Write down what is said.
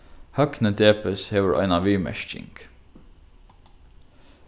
høgni debes hevur eina viðmerking